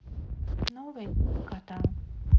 новые три кота